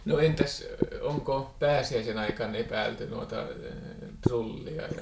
no entäs onko pääsiäisen aikaan epäilty noita trullia